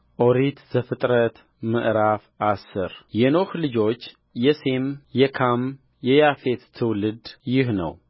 ኦሪት ዘፍጥረት ምዕራፍ አስር የኖኅ ልጆች የሴም የካም የያፌት ትውልድ ይህ ነው